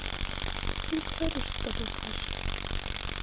не сваришь с тобой каши